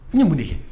Ni ye mun de ye